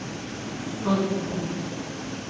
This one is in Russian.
альфа банк